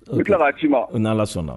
N tila ci ni ala sɔnna